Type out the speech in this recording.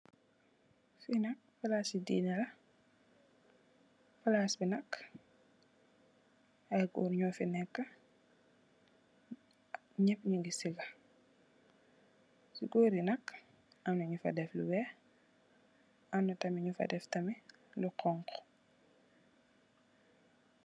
Lii nak palaasu diine la, palaas bi nak, ay góor ñu fi neekë, ñeep ñu ngi sëggë. Goor yi nak, am na ñu fa def lu weex, am na tamit ñu fa def lu xoñxu.